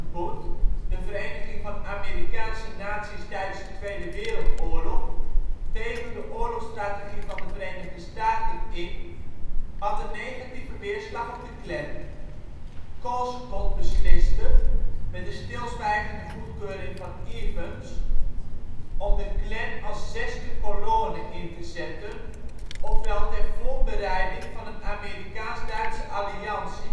Bund (de vereniging van Amerikaanse nazi 's tijdens de Tweede Wereldoorlog) tegen de oorlogsstrategie van de Verenigde Staten in had een negatieve weerslag op de Klan. Colescott besliste - met de stilzwijgende goedkeuring van Evans - om de Klan als zesde colonne in te zetten ofwel ter voorbereiding van een Amerikaans-Duitse alliantie